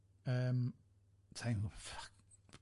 Yym sai'n ff-.